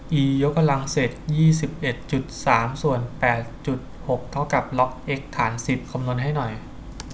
อียกกำลังเศษยี่สิบเอ็ดจุดสามส่วนแปดจุดหกเท่ากับล็อกเอ็กซ์ฐานสิบคำนวณให้หน่อย